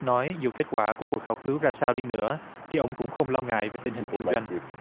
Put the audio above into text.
nói dù kết quả của cuộc khảo cứu ra sao đi nữa thì ông cũng không lo ngại về tình hình kinh doanh